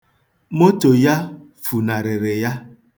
Moto ya funarịrị ya..